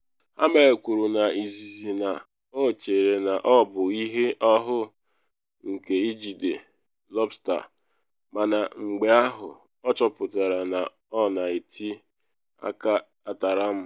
Hammel kwuru n’izizi na ọ chere na ọ bụ ihe ọhụụ nke ijide lọbsta, mana mgbe ahụ ọ “chọpụtara na ọ na eti, “atara m!